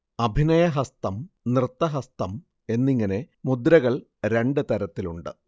അഭിനയഹസ്തം, നൃത്തഹസ്തം എന്നിങ്ങനെ മുദ്രകൾ രണ്ട് തരത്തിലുണ്ട്